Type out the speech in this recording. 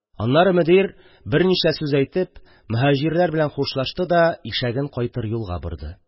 Аннары мөдир берничә сүз әйтеп моһаҗирлар белән хушлашты да, ишәген кайтыр юлга борды.